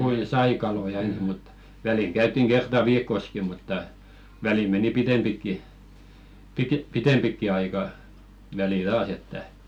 kuinka sai kaloja ensin mutta väliin käytiin kerta viikossakin mutta väliin meni pitempikin - pitempikin aika välillä taas että